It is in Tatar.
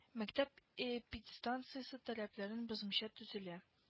Мәктәп эпидстанция таләпләрен бозмыйча төзелә